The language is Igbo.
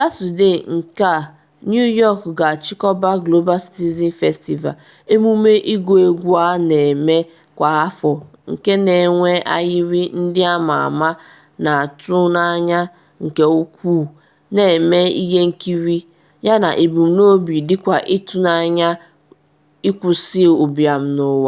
Satọde nke a New York ga-achịkọba Global Citizen Festival, emume ịgụ egwu a na-eme kwa afọ nke na-enwe ahịrị ndị ama ama na-atụ n’anya nke ukwuu na-eme ihe nkiri, yana ebumnobi dịkwa ịtụnanya; ịkwụsị ụbịam n’ụwa.